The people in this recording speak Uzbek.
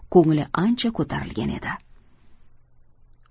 ko'ngli ancha ko'tarilgan edi